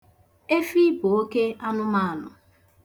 Efi bụ oke anụmanụ